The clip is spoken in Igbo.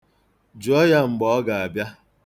Jụọ ya mgbe ọ ga-abịa.